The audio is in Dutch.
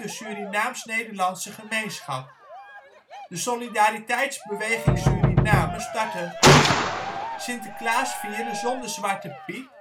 Surinaams-Nederlandse gemeenschap. De Solidariteits Beweging Suriname startte een actie, ' Sinterklaas vieren zonder Zwarte Piet ', en in 1986